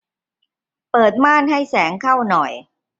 เปิดม่านให้แสงเข้าหน่อย